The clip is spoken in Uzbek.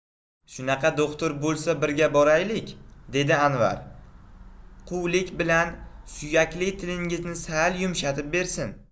shunaqa do'xtir bo'lsa birga boraylik dedi anvar quvlik bilan suyakli tilingizni sal yumshatib bersin